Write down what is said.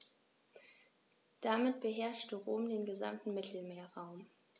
Damit beherrschte Rom den gesamten Mittelmeerraum.